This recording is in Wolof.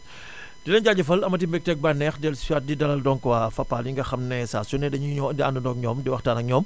di leen jaajëfal amati mbégte ak bànneex di dellusiwaat di dalal donc waa Fapal yi nga xam ne saa su ne dañuy ñëw di àndandoo ak ñoom di waxtaan ak ñoom